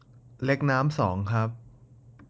เล็กน้ำสองครับ